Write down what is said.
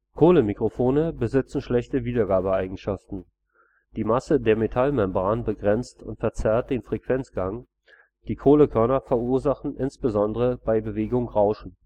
Kohlemikrofone besitzen schlechte Wiedergabeeigenschaften; die Masse der Metallmembran begrenzt und verzerrt den Frequenzgang, die Kohlekörner verursachen insbesondere bei Bewegung Rauschen